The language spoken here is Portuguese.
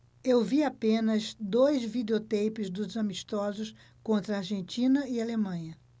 eu vi apenas dois videoteipes dos amistosos contra argentina e alemanha